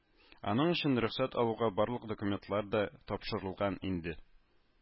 Аның өчен рөхсәт алуга барлык документлар да тапшырылган инде